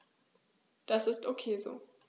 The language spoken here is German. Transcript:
Das ist ok so.